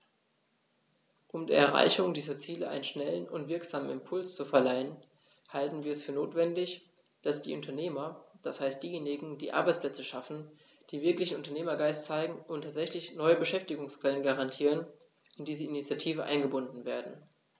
Um der Erreichung dieser Ziele einen schnellen und wirksamen Impuls zu verleihen, halten wir es für notwendig, dass die Unternehmer, das heißt diejenigen, die Arbeitsplätze schaffen, die wirklichen Unternehmergeist zeigen und tatsächlich neue Beschäftigungsquellen garantieren, in diese Initiative eingebunden werden.